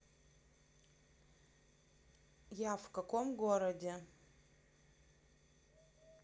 я в каком городе